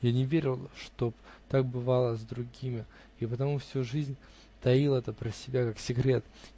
Я не верил, чтоб так бывало с другими, и потому всю жизнь таил это про себя как секрет.